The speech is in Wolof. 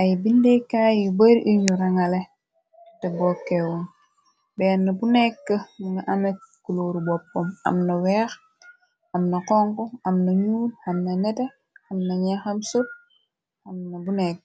ay bindekaay yu bari unu rangale te bokkewum benn bu nekk nga anek kulóoru boppom amna weex amna xonk amna ñuul xamna nete xam na ñenxam sot xamna bu nekk